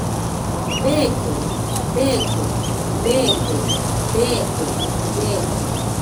"Bẹ́ẹ̀kọ́, bẹ́ẹ̀kọ́, bẹ́ẹ̀kọ́, bẹ́ẹ̀kọ́ , bẹ́ẹ̀kọ́.